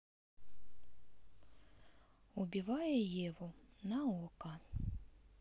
убивая еву на окко